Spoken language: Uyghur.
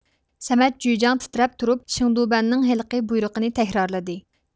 سەمەت جۈيجاڭ تىترەپ تۇرۇپ شېڭدۇبەننىڭ ھېلىقى بۇيرۇقىنى تەكرارلىدى